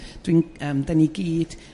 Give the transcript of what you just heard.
Dwi'n yrm dyn ni gyd...